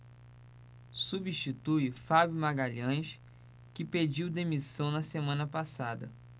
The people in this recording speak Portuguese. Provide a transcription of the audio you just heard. substitui fábio magalhães que pediu demissão na semana passada